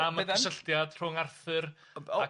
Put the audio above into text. am y cysylltiad rhwng Arthur a... O bendant...